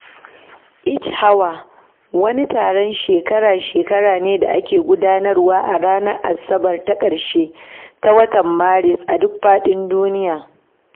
Each Hour wani taron shekara-shekara ne da ake gudanarwa a ranar Asabar ta ƙarshe ta watan Maris, a duk faɗin duniya.